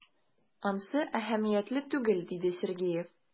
Ансы әһәмиятле түгел,— диде Сергеев.